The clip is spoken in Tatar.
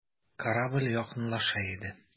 Корабль якынлаша иде.